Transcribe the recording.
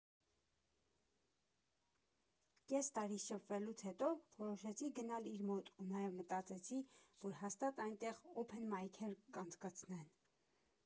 Կես տարի շփվելուց հետո որոշեցի գնալ իր մոտ ու նաև մտածեցի, որ հաստատ այնտեղ օփեն մայքեր կանցկացնեն։